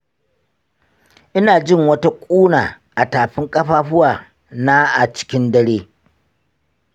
ina jin wata ƙuna a tafin ƙafafuwa na a cikin dare.